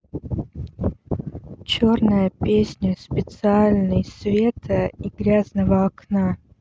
черная песня специальный света и грязного окна